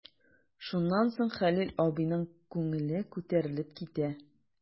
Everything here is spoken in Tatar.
Шуннан соң Хәлил абыйның күңеле күтәрелеп китә.